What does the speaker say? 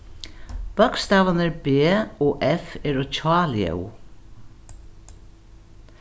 bókstavirnir b og f eru hjáljóð